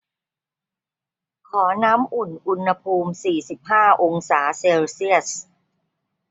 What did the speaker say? ขอน้ำอุ่นอุณหภูมิสี่สิบห้าองศาเซลเซียส